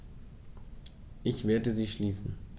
Ich werde sie schließen.